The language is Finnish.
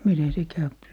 miten se käy